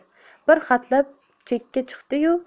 bir hatlab chetga chiqdi yu